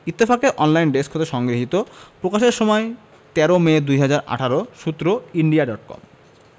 ইত্তেফাক এর online desk হতে সংগৃহীত প্রকাশের সময় ১৩ মে ২০১৮ সূত্র ইন্ডিয়া ডট কম